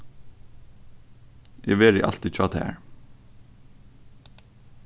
eg verði altíð hjá tær